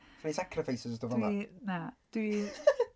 Chi'n wneud sacrifices a stwff fel 'na?... Dwi... Na dwi...